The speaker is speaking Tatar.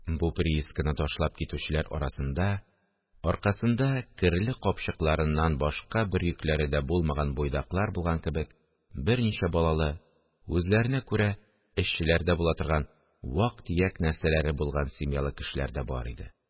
Бу приисканы ташлап китүчеләр арасында, аркасында керле капчыкларыннан башка бер йөкләре дә булмаган буйдаклар булган кебек, берничә балалы, үзләренә күрә эшчеләрдә була торган вак-төяк нәрсәләре булган семьялы кешеләр дә бар иде